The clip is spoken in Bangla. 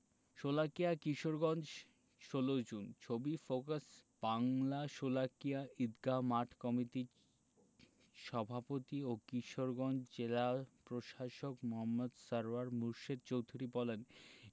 শোলাকিয়া কিশোরগঞ্জ ১৬ জুন ছবি ফোকাস বাংলাশোলাকিয়া ঈদগাহ মাঠ কমিটি সভাপতি ও কিশোরগঞ্জের জেলা প্রশাসক মো. সারওয়ার মুর্শেদ চৌধুরী বলেন